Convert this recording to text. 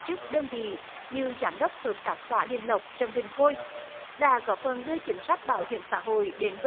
chức đơn vị như giám đốc hợp tác xã điền lộc trần đình khôi đã góp phần đưa chính sách bảo hiểm xã hội đến gần